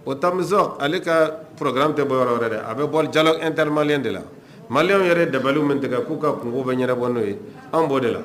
O tami ale ka furakɛkan tɛ bɔ yɔrɔ yɛrɛ a bɛ bɔ ja an teri malilen de la mali yɛrɛ dabalili min tigɛ k'u ka kungo bɛ n yɛrɛ bɔ n'o ye an bɔ de la